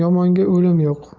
yomonga o'lim yo'q